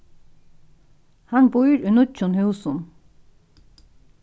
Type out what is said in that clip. hann býr í nýggjum húsum